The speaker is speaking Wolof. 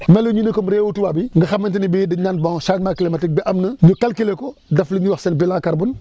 meluñu ne comme réewu tubaab yi nga xamante ni bii dañ naan bon changement climatique bi am na ñu calculé ko def li ñuy wax seen bilan carbone